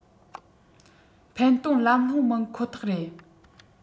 འཕེན གཏོང ལམ ལྷོངས མིན ཁོ ཐག རེད